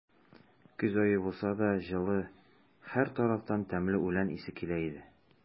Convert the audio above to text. Көз ае булса да, җылы; һәр тарафтан тәмле үлән исе килә иде.